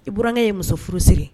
I burankɛ ye muso furu sigi